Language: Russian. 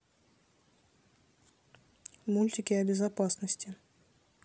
мультики о безопасности